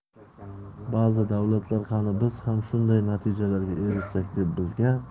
ba'zi davlatlar qani biz ham shunday natijalarga erishsak deb bizga